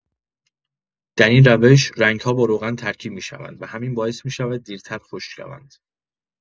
در این روش، رنگ‌ها با روغن ترکیب می‌شوند و همین باعث می‌شود دیرتر خشک شوند.